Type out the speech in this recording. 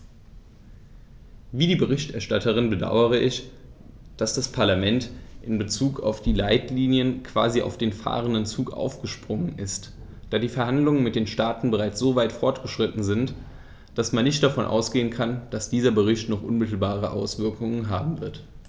Wie die Berichterstatterin bedaure ich, dass das Parlament in bezug auf die Leitlinien quasi auf den fahrenden Zug aufgesprungen ist, da die Verhandlungen mit den Staaten bereits so weit fortgeschritten sind, dass man nicht davon ausgehen kann, dass dieser Bericht noch unmittelbare Auswirkungen haben wird.